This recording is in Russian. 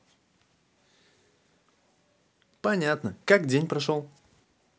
понятно как день прошел